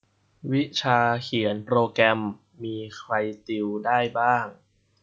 วิชาเขียนโปรแกรมมีใครติวได้บ้าง